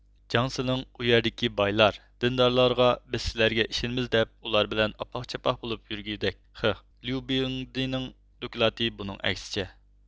جاڭ سىلىڭ ئۇ يەردىكى بايلار دىندارلارغا بىز سىلەرگە ئىشىنىمىز دەپ ئۇلار بىلەن ئاپاق چاپاق بولۇپ يۈرگۈدەك خىخ ليۇ بىڭدېنىڭ دوكلاتى بۇنىڭ ئەكسىچە